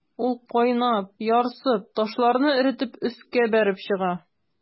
Ул кайнап, ярсып, ташларны эретеп өскә бәреп чыга.